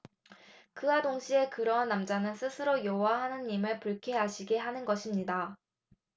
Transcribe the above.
그와 동시에 그러한 남자는 스스로 여호와 하느님을 불쾌하시게 하는 것입니다